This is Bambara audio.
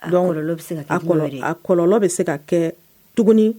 Donc olu bɛ se ka kɛ jumɛn? A kɔlɔlɔ bɛ se ka kɛ tuguni